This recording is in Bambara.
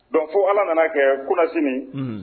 Don fo ala nana kɛ kosi